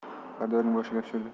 xaridorning boshiga tushirdi